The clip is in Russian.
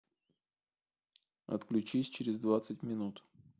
отключись через двадцать минут